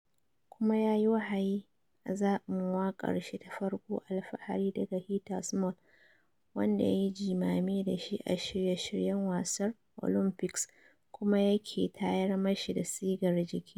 Kuma yayi wahayi a zabin wakar shi ta farko - Alfahari daga Heather Small - wanda yayi jimame da shi a shirye shiryen wasar Olympics kuma ya ke tayar mashi da sigar jiki.